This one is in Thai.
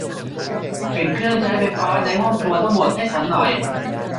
ปิดเครื่องใช้ไฟฟ้าในห้องครัวทั้งหมดให้ฉันหน่อย